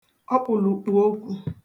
ọkpụ̀lụ̀kpụ̀ okwu